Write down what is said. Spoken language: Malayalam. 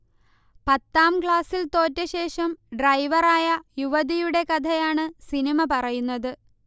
പത്താംക്ലാസിൽ തോറ്റശേഷം ഡ്രൈവറായ യുവതിയുടെ കഥയാണ് സിനിമ പറയുന്നത്